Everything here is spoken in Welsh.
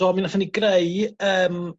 so mi nathon ni greu yym